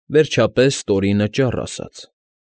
Վերջապես Տորինը ճառ ասաց.